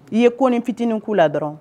I ye ko ni fitinin k'u la dɔrɔn